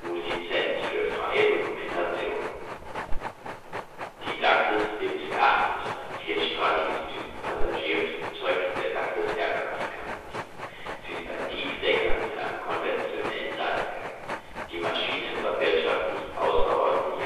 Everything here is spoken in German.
Lizenz für freie Dokumentation. Datei:Dryden.dc8.750pix.jpg Douglas DC-8-72 der NASA Die Douglas DC-8 ist ein vierstrahliges Düsenpassagierflugzeug der Douglas Aircraft Company. Sie ist ein Tiefdecker mit einem konventionellen Leitwerk. Die Maschine war wirtschaftlich außerordentlich